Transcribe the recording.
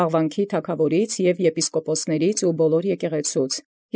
Ապա և ի թագաւորէն և յեպիսկոպոսացն և յամենայն եկեղեցւոյն Աղուանից։